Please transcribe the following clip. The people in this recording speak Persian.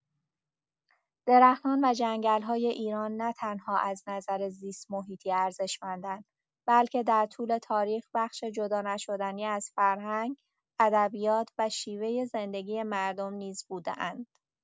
درختان و جنگل‌های ایران نه‌تنها از نظر زیست‌محیطی ارزشمندند، بلکه در طول تاریخ بخشی جدانشدنی از فرهنگ، ادبیات و شیوه زندگی مردم نیز بوده‌اند.